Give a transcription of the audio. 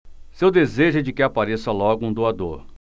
seu desejo é de que apareça logo um doador